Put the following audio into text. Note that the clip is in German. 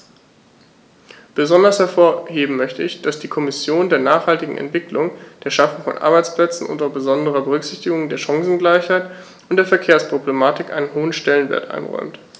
Besonders hervorheben möchte ich, dass die Kommission der nachhaltigen Entwicklung, der Schaffung von Arbeitsplätzen unter besonderer Berücksichtigung der Chancengleichheit und der Verkehrsproblematik einen hohen Stellenwert einräumt.